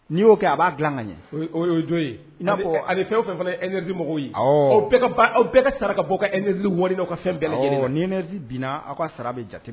N'i'o kɛ a b'a dila ka ɲa. O o ye jo ye. I n'a fɔ. A ni fɛn o fɛn fana ye énergie mɔgɔw ye. Awɔɔ. Aw bɛɛ ka sara ka bɔ a ka i_éergie wari n'aw ka fɛn bɛɛ lajɛlenna . Awɔ ni énergie binna aw ka sara bɛ jate.